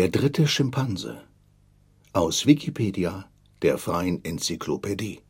dritte Schimpanse, aus Wikipedia, der freien Enzyklopädie